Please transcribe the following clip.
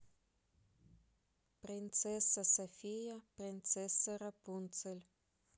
принцесса софия принцесса рапунцель